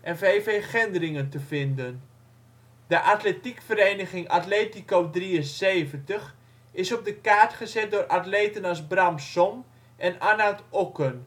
en V.V. Gendringen te vinden. De atletiekvereniging Atletico ' 73 is op de kaart gezet door atleten als Bram Som en Arnoud Okken.